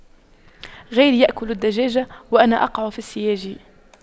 غيري يأكل الدجاج وأنا أقع في السياج